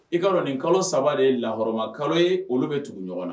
I ka nin kalo saba de la hɔrɔnɔrɔma kalo ye olu bɛ tugu ɲɔgɔn na